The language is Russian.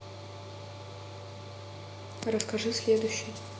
расскажи следующий